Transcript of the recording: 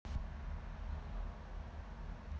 я хочу валерку